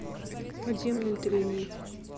подземные трении